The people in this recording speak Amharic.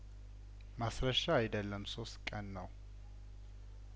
ማስረሻ አይደለም ሶስት ቀን ነው